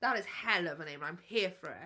That is hell of a name, and I'm here for it.